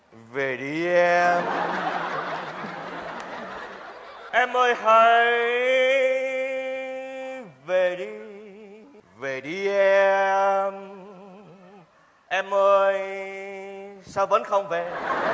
về đi em em ơi hãy về đi về đi em em ơi sao vẫn không về